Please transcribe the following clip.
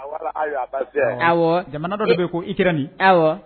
Aw jamana dɔ bɛ ko i kɛrara nin aw